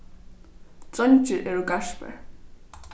dreingir eru garpar